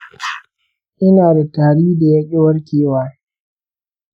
ina da tari da yaƙi warkewa.